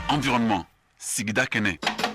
An sigida kɛnɛ